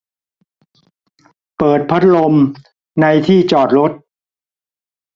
เปิดพัดลมในที่จอดรถ